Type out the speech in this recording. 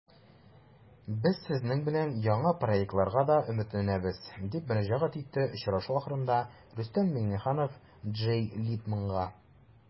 Без сезнең белән яңа проектларга да өметләнәбез, - дип мөрәҗәгать итте очрашу ахырында Рөстәм Миңнеханов Джей Литманга.